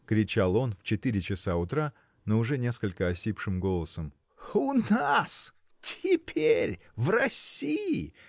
-- кричал он в четыре часа утра, но уже несколько осипшим голосом. -- У нас! теперь! в России!